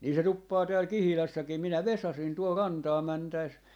niin se tuppaa täällä Kihilässäkin minä vesasin tuolla rantaan mentäessä